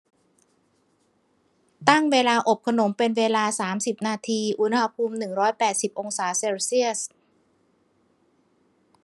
ตั้งเวลาอบขนมเป็นเวลาสามสิบนาทีอุณหภูมิหนึ่งร้อยแปดสิบองศาเซลเซียส